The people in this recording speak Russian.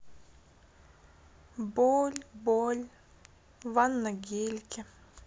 боль боль ван на гелике